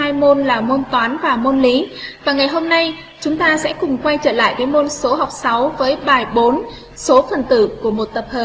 hai môn là môn toán và môn lý vào ngày hôm nay chúng ta sẽ cùng quay trở lại với một số học với số phần tử của một tập hợp